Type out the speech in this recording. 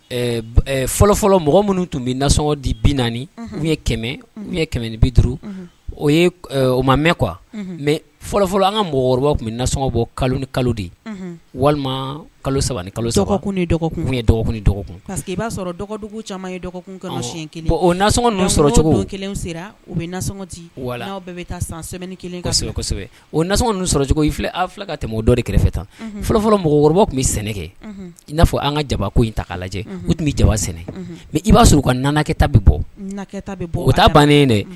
Fɔlɔfɔlɔ mɔgɔ minnu tun bɛ nasɔnɔgɔgɔ di bi naani ni bi duuru o ye o ma mɛn qu mɛ fɔlɔfɔlɔ an ka mɔgɔ tun bɛ nasɔnɔgɔgɔ bɔ kalo ni kalo de walima kalo sɛbɛn kalo ni dɔgɔ i b'a sɔrɔdugu o usɛbɛ o filɛ an fila ka tɛmɛ o dɔ de kɛrɛfɛ tan fɔlɔfɔlɔ mɔgɔkɔrɔba tun bɛ sɛnɛkɛ n'a fɔ an ka jabako in ta lajɛ u tun bɛ jaba sɛnɛ mɛ i b'a sɔrɔ u ka nanakɛ ta bɔ bɔ o taa bannen dɛ